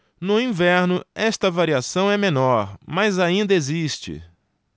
no inverno esta variação é menor mas ainda existe